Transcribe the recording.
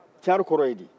carin kɔrɔ ye di